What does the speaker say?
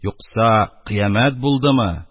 Юкса кыямәт булдымы?